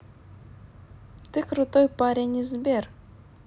ты крутой парень из сбер